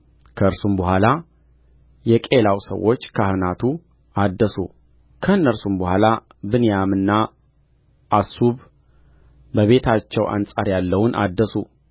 ከእርሱም በኋላ የቈላው ሰዎች ካህናቱ አደሱ ከእነርሱም በኋላ ብንያምና አሱብ በቤታቸው አንጻር ያለውን አደሱ